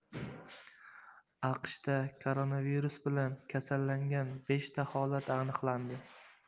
aqshda koronavirus bilan kasallangan beshta holat aniqlandi